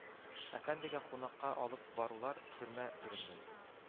Әфәндегә «кунак»ка алып барулар – төрмә түреннән», –